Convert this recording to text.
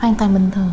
hoàn toàn bình thường